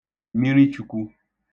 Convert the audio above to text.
mirichūkwū